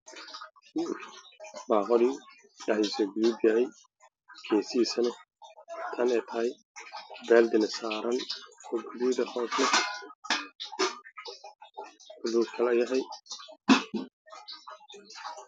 Waa saxan midabkiis yahay guduud